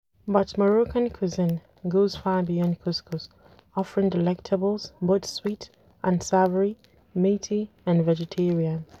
But Moroccan cuisine goes far beyond couscous, offering delectables both sweet and savory, meaty and vegetarian.